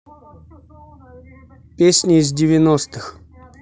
песни из девяностых